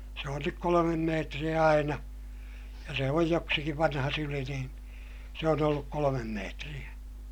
se on nyt kolme metriä aina ja se on joksikin vanha syli niin se on ollut kolme metriä